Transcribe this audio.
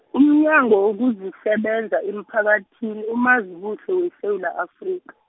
umnyango wokuzisebenza emphakathini uMazibuse weSewula Afrika.